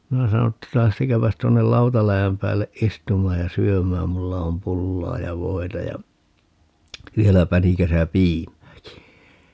minä sanoin että lähtekääpäs tuonne lautaläjän päälle istumaan ja syömään minulla on pullaa ja voita ja vielä pänikässä piimääkin